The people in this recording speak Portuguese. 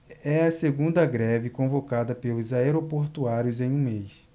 é a segunda greve convocada pelos aeroportuários em um mês